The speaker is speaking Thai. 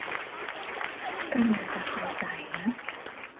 ก็น่าจะเข้าใจนะ